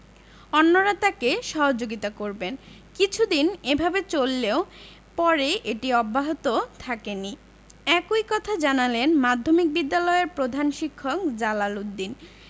অন্যরা তাঁকে সহযোগিতা করবেন কিছুদিন এভাবে চললেও পরে এটি অব্যাহত থাকেনি একই কথা জানালেন মাধ্যমিক বিদ্যালয়ের প্রধান শিক্ষক জালাল উদ্দিন